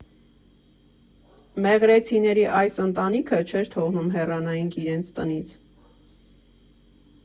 Մեղրեցիների այս ընտանիքը չէր թողնում հեռանայինք իրենց տնից.